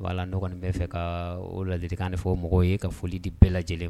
Ala ɲɔgɔn bɛ fɛ ka lalielikan de fɔ mɔgɔw ye ka foli di bɛɛ lajɛ lajɛlen